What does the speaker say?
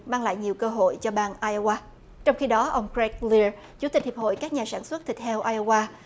mang lại nhiều cơ hội cho bang ai ô a trong khi đó ông quen cô ri chủ tịch hiệp hội các nhà sản xuất thịt heo ai ô a